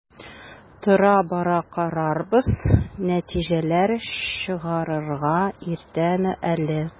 Тора-бара карарбыз, нәтиҗәләр чыгарырга иртәме әле?